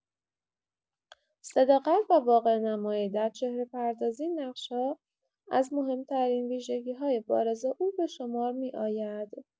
صداقت و واقع‌نمایی در چهره‌پردازی نقش‌ها از مهم‌ترین ویژگی‌های بازی او به شمار می‌آید.